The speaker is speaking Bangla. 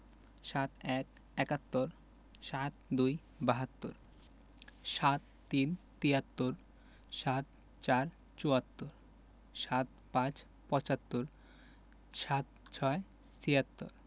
৭১ – একাত্তর ৭২ – বাহাত্তর ৭৩ – তিয়াত্তর ৭৪ – চুয়াত্তর ৭৫ – পঁচাত্তর ৭৬ - ছিয়াত্তর